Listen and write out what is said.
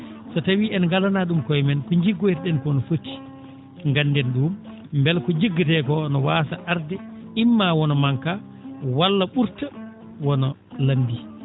so tawii en ngalanaa ɗum koye men ko jiggoyten koo no foti ngannden ɗum mbela ko jiggetee koo no waasa arde immaa wona manque a walla ɓurta wona lambii